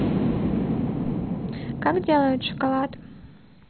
как делают шоколад